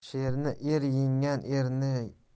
sherni er yengar